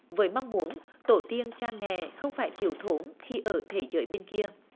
với mong muốn tổ tiên cha mẹ không phải thiếu thốn khi ở thế giới bên kia